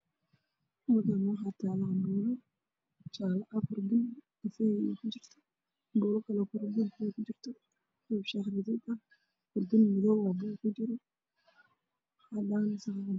Meeshaan waxaa taalo canbuulo